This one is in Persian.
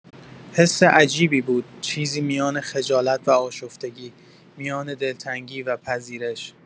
حس عجیبی بود، چیزی میان خجالت و آشفتگی، میان دلتنگی و پذیرش.